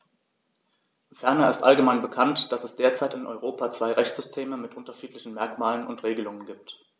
Ferner ist allgemein bekannt, dass es derzeit in Europa zwei Rechtssysteme mit unterschiedlichen Merkmalen und Regelungen gibt.